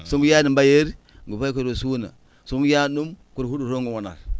sogu yiyaani mbayeeri ngu fayi koto suuna so ngu yiyaani ɗum koto huɗo to ngu wonata